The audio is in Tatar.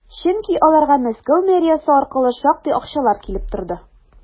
Чөнки аларга Мәскәү мэриясе аркылы шактый акчалар килеп торды.